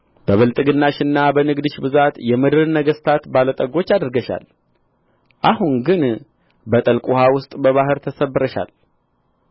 በብልጥግናሽና በንግድሽ ብዛት የምድርን ነገሥታት ባለ ጠጎች አድርገሻል አሁን ግን በጥልቅ ውኃ ውስጥ በባህር ተሰብረሻል